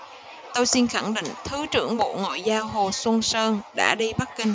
tôi xin khẳng định thứ trưởng bộ ngoại giao hồ xuân sơn đã đi bắc kinh